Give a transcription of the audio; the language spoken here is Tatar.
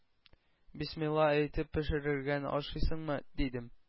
Бисмилла әйтеп пешерелгән, ашыйсыңмы?” – дидем.